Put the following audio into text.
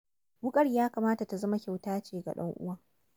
Wuƙar ya kamata ta zama kyauta ce ga ɗan'uwan.